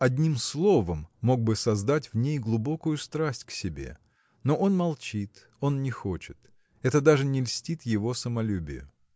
одним словом мог бы создать в ней глубокую страсть к себе но он молчит, он не хочет. Это даже не льстит его самолюбию.